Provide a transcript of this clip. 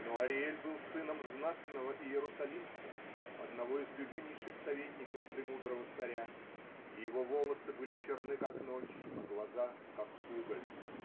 Но Ариэль был сыном знатного иерусалимца, одного из любимейших советников премудрого царя, и его волосы были черны, как ночь, а глаза -- как уголь.